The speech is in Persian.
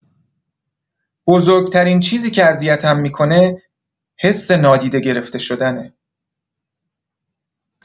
بزرگ‌ترین چیزی که اذیتم می‌کنه حس نادیده گرفته شدنه.